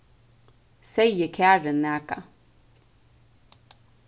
segði karin nakað